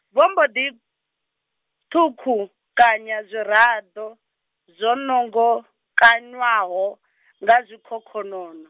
vho mbo ḓi, ṱhukukanya zwiraḓo, zwo nongokanywaho, nga zwikhokhonono.